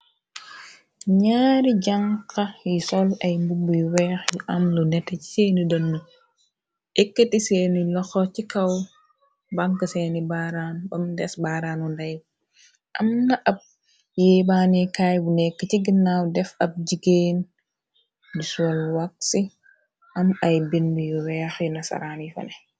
Ñaari jànxa yi sol ay mbubu yu weex yi am lu nete ci seeni denne, ekkati seeniy loxo ci kaw bànk seeni baram bam des baaramu nday bi, am na ab yebannekaay bu nekk ci ginnaaw def ab jigeen bul sol waksi, am ay bind yu weex yinasaraan yi fane.